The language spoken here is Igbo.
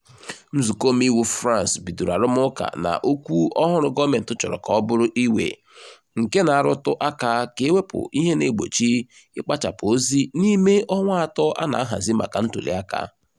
Nzukọ omeiwu France bidoro arụmụka na okwu ọhụrụ gọọmenti chọrọ ka ọ bụrụ iwe nke na-arụtụ aka ka e wepụ ihe na-egbochi ịkpachapụ ozi n'ime ọnwa atọ a na-ahazi maka ntuliaka.